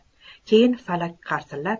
keyin falak qarsillab